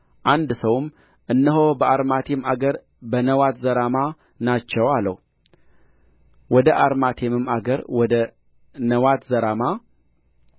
አንድ ሰውም እነሆ በአርማቴም አገር በነዋትዘራማ ናቸው አለው ወደ አርማቴምም አገር ወደ ነዋትዘራማ